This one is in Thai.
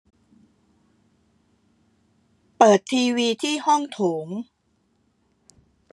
เปิดทีวีที่ห้องโถง